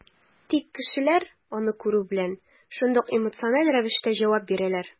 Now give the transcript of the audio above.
Тик кешеләр, аны күрү белән, шундук эмоциональ рәвештә җавап бирәләр.